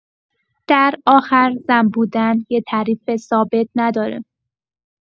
در آخر، زن بودن یه تعریف ثابت نداره.